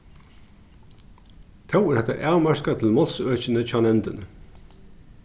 tó er hetta avmarkað til málsøkini hjá nevndini